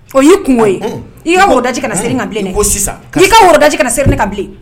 O yei kun ye ii ka woroda ka na seere ka bilen ko sisan ki ka worodajɛji ka na se ne ka bilen